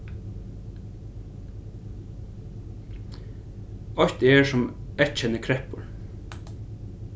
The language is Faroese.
eitt er sum eyðkennir kreppur